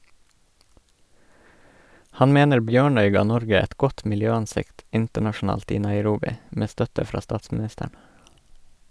Han mener Bjørnøy ga Norge et godt miljøansikt internasjonalt i Nairobi, med støtte fra statsministeren.